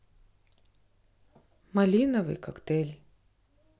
малиновый коктейль